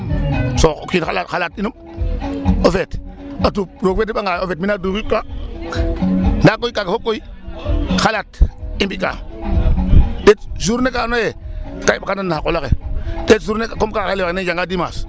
So o kiin xalat in o feet a tuup roog fe deɓanga o feet mi' na dufikkaa ndaa koy kaaga fop koy xalat i mbi'ka ndet journée ka andoona yee ka i ɓaqanan na xa qol axe ndet journée comme ka xa éleve axe nee njanga Dimanche .